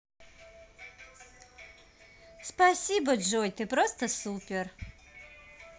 спасибо джой ты просто супер